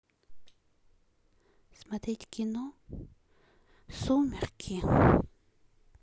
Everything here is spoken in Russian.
смотреть кино сумерки